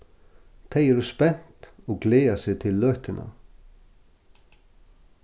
tey eru spent og gleða seg til løtuna